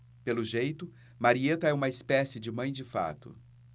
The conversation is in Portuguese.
pelo jeito marieta é uma espécie de mãe de fato